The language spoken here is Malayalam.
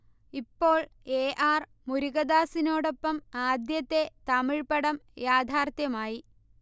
ഇപ്പോൾ എ. ആർ. മുരുഗദാസിനോടൊപ്പം ആദ്യത്തെ തമിഴ് പടം യാഥാർഥ്യമായി